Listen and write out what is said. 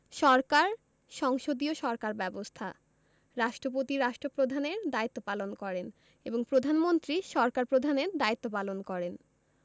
সরকারঃ সংসদীয় সরকার ব্যবস্থা রাষ্ট্রপতি রাষ্ট্রপ্রধানের দায়িত্ব পালন করেন এবং প্রধানমন্ত্রী সরকার প্রধানের দায়িত্ব পালন করেন